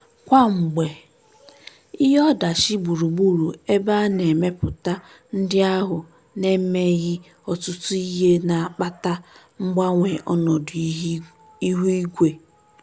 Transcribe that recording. Kwamgbe, ihe ọdachi gburugburu ebe a na-emetụta ndị ahụ na-emeghị ọtụtụ ihe na-akpata mgbanwe ọnọdụ ihu igwe.